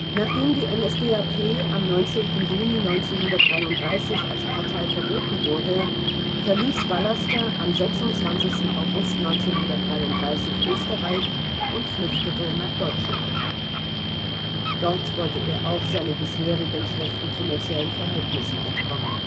Nachdem die NSDAP am 19. Juni 1933 als Partei verboten wurde, verließ Vallaster am 26. August 1933 Österreich und flüchtete nach Deutschland. Dort wollte er auch seinen bisherigen schlechten finanziellen Verhältnissen entkommen